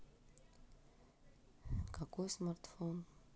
какой смартфон